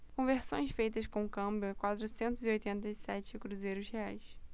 conversões feitas com câmbio a quatrocentos e oitenta e sete cruzeiros reais